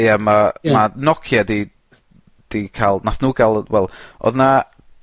Ia ma'... Ia. ...ma' Nokia 'di 'di ca'l nath nw ga'l yy wel odd 'na